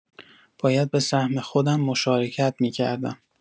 باید به سهم خودم مشارکت می‌کردم.